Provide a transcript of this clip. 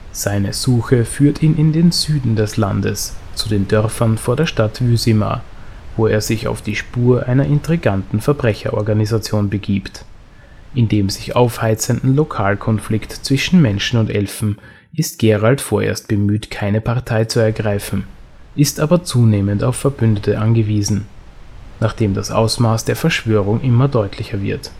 Seine Suche führt ihn in den Süden des Landes, zu den Dörfern vor der Stadt Wyzima, wo er sich auf die Spur einer intriganten Verbrecherorganisation begibt. In dem sich aufheizenden Lokalkonflikt zwischen Menschen und Elfen ist Geralt vorerst bemüht, keine Partei zu ergreifen, ist aber zunehmend auf Verbündete angewiesen, nachdem das Ausmaß der Verschwörung immer deutlicher wird